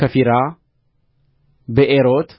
ከፊራ ብኤሮት